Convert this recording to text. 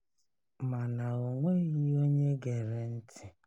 Mana o nweghị onye gere ntị.